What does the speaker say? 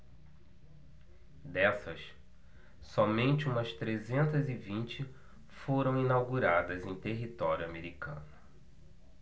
dessas somente umas trezentas e vinte foram inauguradas em território americano